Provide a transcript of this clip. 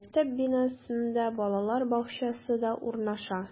Мәктәп бинасында балалар бакчасы да урнаша.